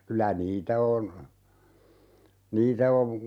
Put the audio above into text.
kyllä niitä on niitä on